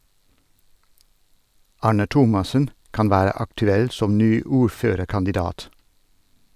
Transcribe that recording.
Arne Thomassen kan være aktuell som ny ordførerkandidat.